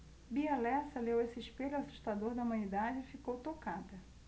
bia lessa leu esse espelho assustador da humanidade e ficou tocada